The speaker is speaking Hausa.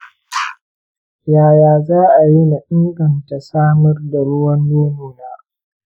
yaya za'ayi na inganta samar da ruwan nono na